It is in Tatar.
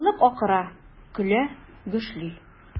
Халык акыра, көлә, гөжли.